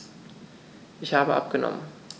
Ich habe abgenommen.